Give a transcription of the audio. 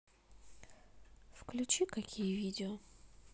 включи какие видео